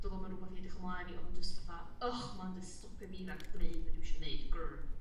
Do'dd o'm yn rwbath i edrych ymlaen i odd o'n jyst fatha ych ma'n jyst stopio fi rag gneud be' dwi isio neud. Grr.